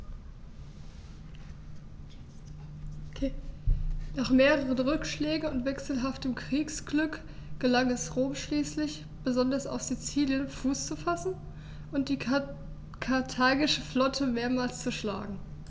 Nach mehreren Rückschlägen und wechselhaftem Kriegsglück gelang es Rom schließlich, besonders auf Sizilien Fuß zu fassen und die karthagische Flotte mehrmals zu schlagen.